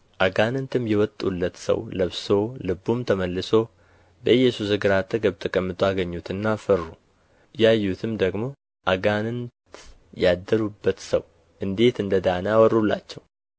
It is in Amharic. አጋንንትም የወጡለትን ሰው ለብሶ ልቡም ተመልሶ በኢየሱስ እግር አጠገብ ተቀምጦ አገኙትና ፈሩ ያዩትም ደግሞ አጋንንት ያደሩበት ሰው እንዴት እንደ ዳነ አወሩላቸው